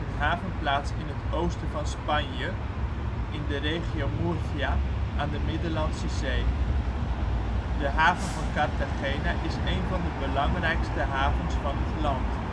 havenplaats in het oosten van Spanje, in de regio Murcia, aan de Middellandse Zee. De haven van Cartagena is een van de belangrijkste havens van het land